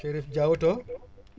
Chérif Diao